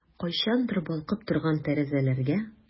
Кайчандыр балкып торган тәрәзәләргә...